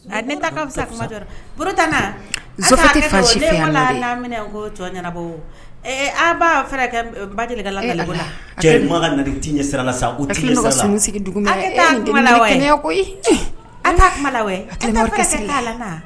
Fa lam ko ɲɛnabɔ an b' fɛ ba deli cɛ sira la sa